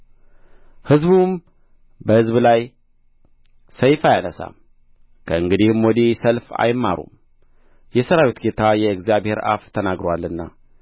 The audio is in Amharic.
ሕዝብም በሕዝብ ላይ ሰይፍ አያነሣም ከእንግዲህም ወዲህ ሰልፍ አይማሩም የሠራዊት ጌታ የእግዚአብሔር አፍም ተናግሮአልና